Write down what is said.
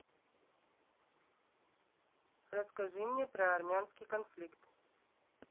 расскажи мне про армянский конфликт